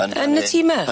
Yn y... Yn y tŷ 'my?